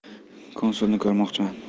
konsulni ko'rmoqchiman